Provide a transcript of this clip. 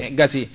e gassi